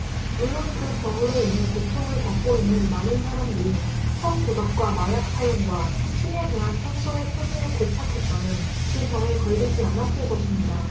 물론 그 병으로 인해 고통을 겪고 있는 많은 사람들이 성도덕과 마약 사용과 피에 대한 성서의 표준에 고착했다면 그 병에 걸리지 않았을 것입니다